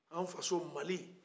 an faso mali